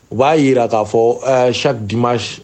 U b'a jira k'a fɔ ɛɛ sa di